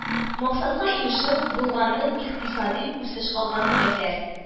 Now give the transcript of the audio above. Максатка ирешеп булганны икътисади үсеш алган төбәкләр